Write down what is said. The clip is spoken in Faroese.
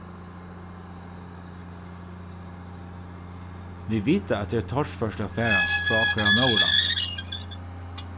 vit vita at tað er torført at fara frá okkara móðurlandi